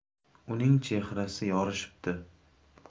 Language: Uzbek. uning chehrasi yorishibdi